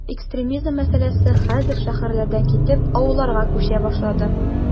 Экстремизм мәсьәләсе хәзер шәһәрләрдән китеп, авылларга “күчә” башлады.